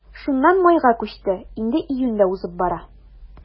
Шуннан майга күчте, инде июнь дә узып бара.